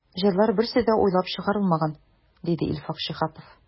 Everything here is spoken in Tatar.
“җырлар берсе дә уйлап чыгарылмаган”, диде илфак шиһапов.